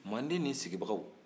manden min sigibagaw